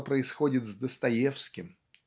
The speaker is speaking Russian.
что происходит с Достоевским.